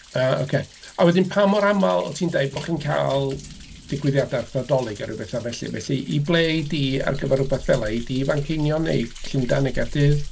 Yy ocê, a wedyn pa mor aml o' ti'n deud bod chi'n cael, digwyddiadau a petha dolig a ryw betha felly. Felly, i ble ei di ar gyfer rywbeth fela? Ei di i Fanceinion neu Llundain neu Gaerdydd?